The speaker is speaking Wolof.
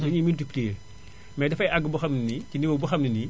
dañuy multiplié mais day àgg boo xam ne nii ci niveau boo xam ne nii